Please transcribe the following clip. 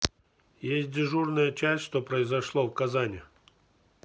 есть дежурная часть что произошло в казани